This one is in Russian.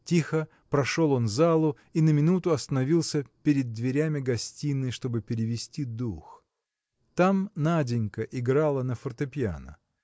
Тихо прошел он залу и на минуту остановился перед дверями гостиной чтобы перевести дух. Там Наденька играла на фортепиано.